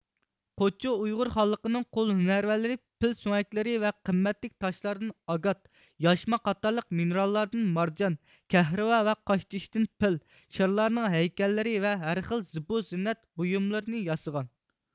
قوچۇ ئۇيغۇر خانلىقىنىڭ قول ھۈنەرۋەنلىرى پىل سۆڭەكلىرى ۋە قىممەتلىك تاشلاردىن ئاگات ياشما قاتارلىق مىنېراللاردىن مارجان كەھرىۋا ۋە قاشتېشىدىن پىل شىرلارنىڭ ھەيكەللىرى ۋە ھەرخىل زىبۇ زىننەت بۇيۇملىرىنى ياسىغان